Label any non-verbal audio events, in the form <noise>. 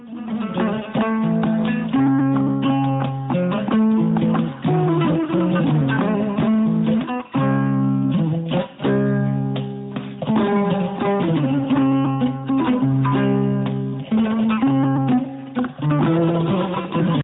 <music>